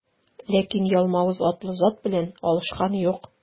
Ләкин Ялмавыз атлы зат белән алышкан юк.